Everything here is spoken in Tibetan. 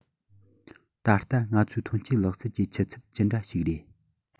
ད ལྟ ང ཚོའི ཐོན སྐྱེད ལག རྩལ གྱི ཆུ ཚད ཅི འདྲ ཞིག རེད